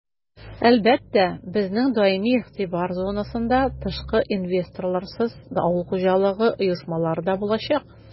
Әлбәттә, безнең даими игътибар зонасында тышкы инвесторларсыз авыл хуҗалыгы оешмалары да булачак.